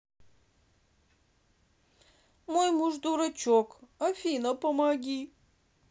мой муж дурачок афина помоги